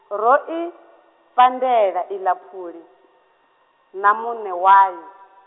ro i, pandela iḽa phuli, na muṋe wayo.